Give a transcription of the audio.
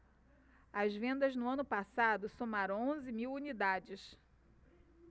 as vendas no ano passado somaram onze mil unidades